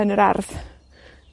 yn yr ardd.